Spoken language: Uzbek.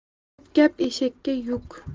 ko'p gap eshakka yuk